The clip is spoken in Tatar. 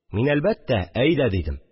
Мин, әлбәттә: «Әйдә», – дидем